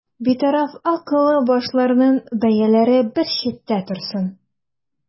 Битараф акыллы башларның бәяләре бер читтә торсын.